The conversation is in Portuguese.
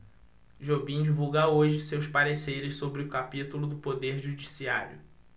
jobim divulga hoje seus pareceres sobre o capítulo do poder judiciário